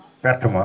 pertement